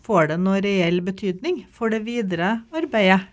får det noe reell betydning for det videre arbeidet?